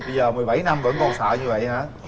bây giờ mười bảy năm vẫn còn sợ như vậy hả